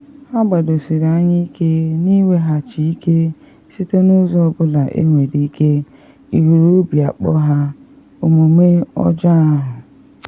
Ha gbadosiri anya ike na iweghachi ike site n’ụzọ ọ bụla enwere ike, ị hụrụ obi akpọ ha, omume ọjọọ ahụ.